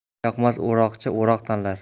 ishyoqmas o'roqchi o'roq tanlar